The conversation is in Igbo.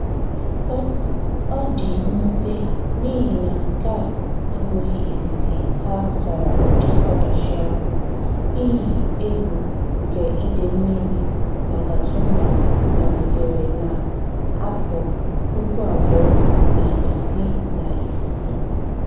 Ọ dị mwute, n'ihi na nke a abụghị izizi ha hụtara ụdị ọdachi ahụ: iyi egwu nke ide mmiri na Gatumba malitere na 2016.